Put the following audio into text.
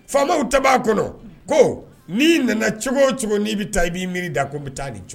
Faamaw ta'a kɔnɔ ko n'i nana cogo o cogo n'i bɛ taa i b'i miiri da ko n bɛ taa ni cogo